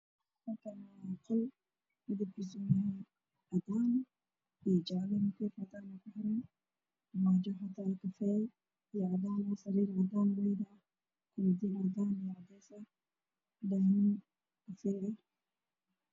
Halkaan waa qol kalarkiisu waa cadaan iyo jaale waxaa yaalo armaajo cadaan iyo kafay ah, sariir cadaan ah, koobadiin cadaan iyo cadeys, daahman kafay ah.